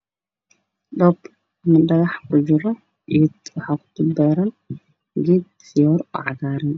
Waa miis waxaa saaran ubax midabkiisa iyo caddaan cagaar oo ku jiro weel